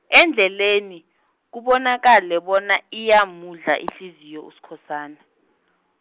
endleleni, kubonakale bona iyamudla ihliziyo Uskhosana.